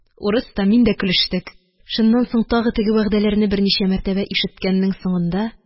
Урыс та, мин дә көлештек. Шуннан соң тагы теге вәгъдәләрне берничә мәртәбә ишеткәннең соңында